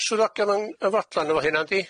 Di'r swyddogion yn yy fodlon efo hynna yndi?